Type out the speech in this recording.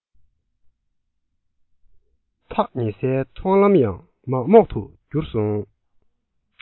ཐག ཉེ སའི མཐོང ལམ ཡང མག མོག ཏུ གྱུར སོང